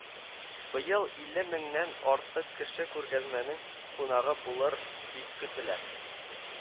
Быел илле меңнән артык кеше күргәзмәнең кунагы булыр дип көтелә